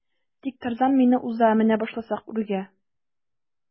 Тик Тарзан мине уза менә башласак үргә.